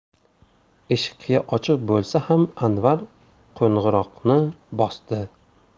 eshik qiya ochiq bo'lsa ham anvar qo'ng'iroqni bosdi